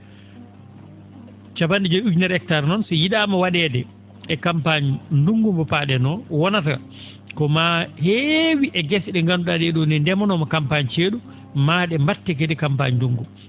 cappan?e joyi ujunere hectares noon so yi?aama wa?eede e campagne ndunngu mo paa?en oo wonata ko maa heewi e gese ?e ngandu?aa ?ee ?oo ?ee ndemanooma campagne cee?u ma?e mbatte ge?e campagne ndunngu